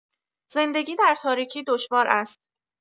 زندگی در تاریکی دشوار است.